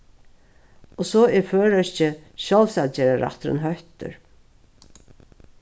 og so er føroyski sjálvsavgerðarrætturin hóttur